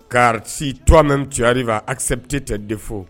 Ka si tɔ mɛnri la asɛpte tɛ de fɔ